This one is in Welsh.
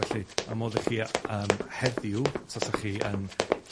Felly, ma' modd i chi yy yym heddiw tasa chi yn